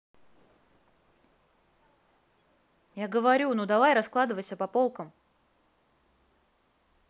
я говорю ну давай раскладывайся по полкам